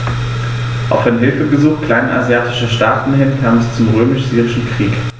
Auf ein Hilfegesuch kleinasiatischer Staaten hin kam es zum Römisch-Syrischen Krieg.